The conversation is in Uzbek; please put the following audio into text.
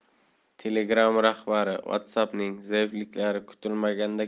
telegram rahbari whatsapp'ning zaifliklari kutilmaganda